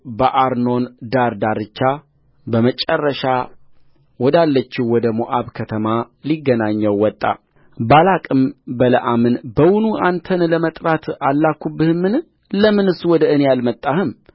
በአርኖን ዳር ዳርቻ በመጨረሻ ወዳለችው ወደ ሞዓብ ከተማ ሊገናኘው ወጣባላቅም በለዓምን በውኑ አንተን ለመጥራት አልላክሁብህምን ለምንስ ወደ እኔ አልመጣህም